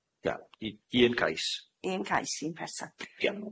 Ia u- un cais. Un cais un person. Ia.